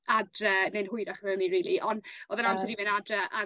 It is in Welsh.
adre neu'n hwyrach na ynny rili on' o'dd e'n amser i fyn' adre ag